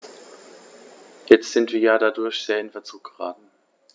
Jetzt sind wir dadurch sehr in Verzug geraten.